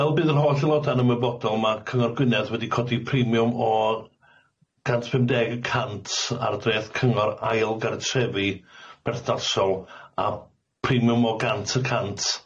Fel bydd yr holl aeloda'n ymwybodol ma' Cyngor Gwynedd wedi codi primiwm o gant pum deg y cant ar dreth cyngor ail gartrefi bertharsol a primiwm o gant y cant